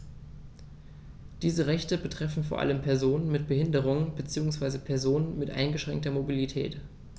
Diese Rechte betreffen vor allem Personen mit Behinderung beziehungsweise Personen mit eingeschränkter Mobilität.